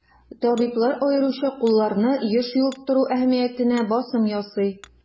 Табиблар аеруча кулларны еш юып тору әһәмиятенә басым ясый.